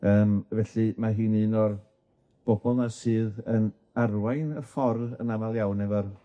Yym felly ma' hi'n un o'r bobol 'na sydd yn arwain y ffordd yn amal iawn efo'r